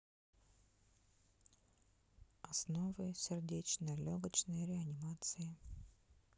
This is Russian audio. основы сердечно легочной реанимации